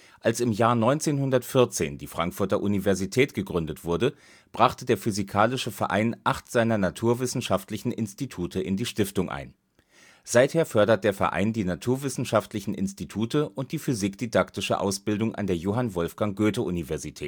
Als im Jahr 1914 die Frankfurter Universität gegründet wurde, brachte der Physikalische Verein acht seiner naturwissenschaftlichen Institute in die Stiftung ein. Seither fördert der Verein die naturwissenschaftlichen Institute und die physikdidaktische Ausbildung an der Johann Wolfgang Goethe-Universität